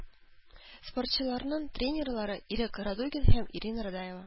Спортчыларның тренерлары - Ирек Радугин һәм Ирина Радаева.